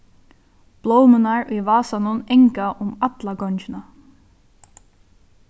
blómurnar í vasanum anga um alla gongina